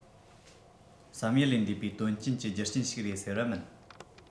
བསམ ཡུལ ལས འདས པའི དོན རྐྱེན གྱི རྒྱུ རྐྱེན ཞིག རེད ཟེར བ མིན